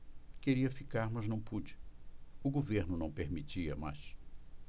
queria ficar mas não pude o governo não permitia mais